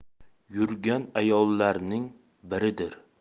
yurgan ayollarning biridir